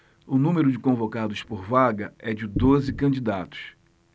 o número de convocados por vaga é de doze candidatos